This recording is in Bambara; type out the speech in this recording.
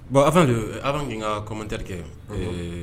Bon a fana a ka kom terikɛrike